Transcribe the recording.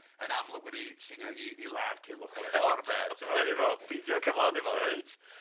yn amlwg wedi ei llunio i i ladd Culhwch ar y ffor de t'mod iddo peidio cyflawni fo reit?